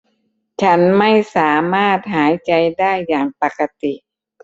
ฉันไม่สามารถหายใจได้อย่างปกติ